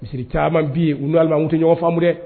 Sirisiri caman bi yen u' ala la an tɛ ɲɔgɔn faamu dɛ